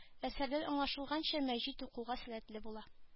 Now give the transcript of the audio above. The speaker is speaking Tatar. Әсәрдән аңлашылганча мәҗит укуга сәләтле була